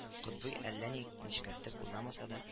Котбый әллә ни нечкәртеп уйламаса да